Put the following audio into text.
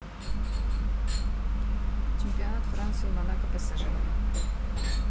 чемпионат франции монако псж